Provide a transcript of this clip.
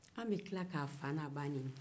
anw bɛ tila k'a fa ni a ba ɲini